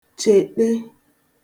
chèṭe